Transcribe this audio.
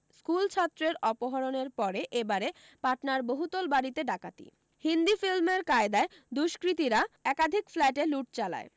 স্কুলছাত্রের অপহরণের পরে এ বারে পাটনার বহুতল বাড়ীতে ডাকাতি হিন্দী ফিল্মের কায়দায় দুষ্কৃতীরা একাধিক ফ্ল্যাটে লুঠ চালায়